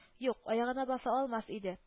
Юк, аягына баса алмас иде